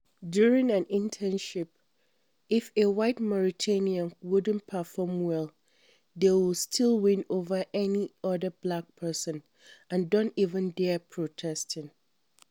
During an internship, if a white Mauritanian wouldn't perform well, they would still win over any other black person. And don't even dare protesting ...